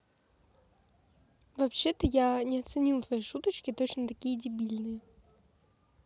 вообще то я не оценил твои шуточки точно такие дебильные